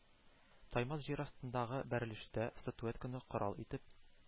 Таймас җир астындагы бәрелештә статуэтканы корал итеп